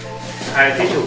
hai thí chủ